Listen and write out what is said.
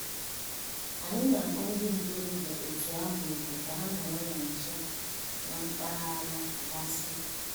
Anyị na-akpọ ndị ntorobịa òtù ahụ òkù ka ha nọrọ na nche na mpaghara gasị.